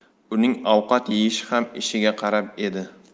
uning ovqat yeyishi ham ishiga qarab edi